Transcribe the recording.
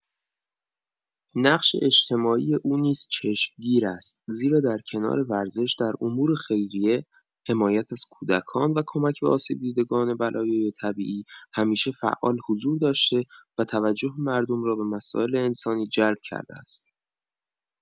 نقش اجتماعی او نیز چشمگیر است، زیرا در کنار ورزش، در امور خیریه، حمایت از کودکان و کمک به آسیب‌دیدگان بلایای طبیعی همیشه فعال حضور داشته و توجه مردم را به مسائل انسانی جلب کرده است.